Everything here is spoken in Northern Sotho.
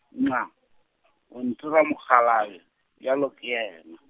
nxa, o ntira mokgalabje, bjalo ke yena.